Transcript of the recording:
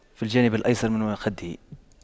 في الجانب الأيسر من خده